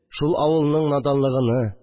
Шул авылның наданлыгыны